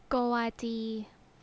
โกวาจี